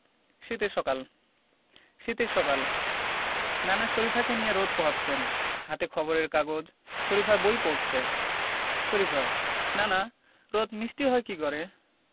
শীতের সকাল শীতের সকাল নানা শরিফাকে নিয়ে রোদ পোহাচ্ছেন হাতে খবরের কাগজ শরিফা বই পড়ছে শরিফা নানা রোদ মিষ্টি হয় কী করে